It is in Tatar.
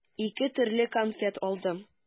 Ике төрле конфет алдым.